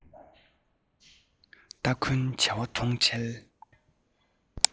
སྟ གོན བྱ བ མཐོང འཕྲལ